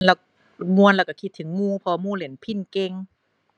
แล้ว ม่วนแล้วก็คิดถึงหมู่ เพราะหมู่เล่นพิณเก่ง